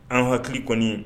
An hakili kɔni ye